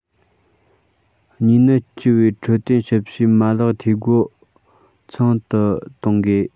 གཉིས ནི སྤྱི པའི འཕྲོད བསྟེན ཞབས ཞུའི མ ལག འཐུས སྒོ ཚང དུ གཏོང དགོས